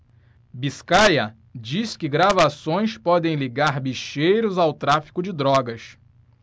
biscaia diz que gravações podem ligar bicheiros ao tráfico de drogas